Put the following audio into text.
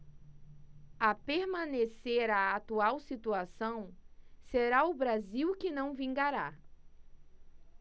a permanecer a atual situação será o brasil que não vingará